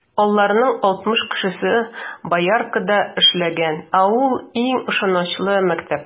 Аларның алтмыш кешесе Бояркада эшләгән, ә ул - иң ышанычлы мәктәп.